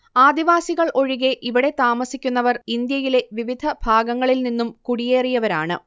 ആദിവാസികൾ ഒഴികെ ഇവിടെ താമസിക്കുന്നവർ ഇന്ത്യയിലെ വിവിധ ഭാഗങ്ങളിൽ നിന്നും കുടിയേറിയവരാണ്